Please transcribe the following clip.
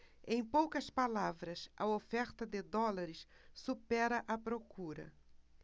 em poucas palavras a oferta de dólares supera a procura